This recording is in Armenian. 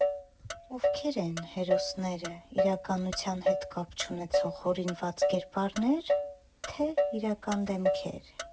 Ովքե՞ր են հերոսները՝ իրականության հետ կապ չունեցող հորինված կերպարնե՞ր, թե՞ իրական դեմքեր։